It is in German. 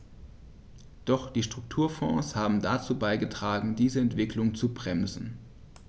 Doch die Strukturfonds haben dazu beigetragen, diese Entwicklung zu bremsen.